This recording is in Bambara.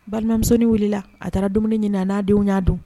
Bamisɛn wulila a taara dumuni ɲini na n'a denw y'a don